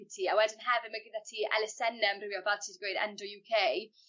helpu ti a wedyn hefyd ma' gyda ti elusenne amrywiol fel ti 'di gweud endo You Kay